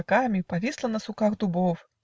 клоками Повисла на суках дубов